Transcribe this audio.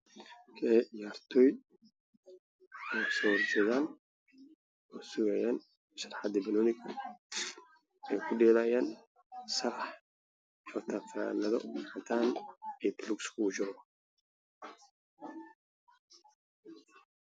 Meeshaan waxaa fadhiyo wiilal ciyaartoy ah oo wataan fanaanido cagaar iyo caddaan ah iyo buumo cadaan ah